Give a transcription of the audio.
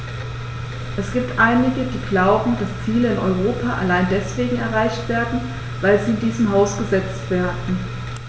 Es gibt einige, die glauben, dass Ziele in Europa allein deswegen erreicht werden, weil sie in diesem Haus gesetzt werden.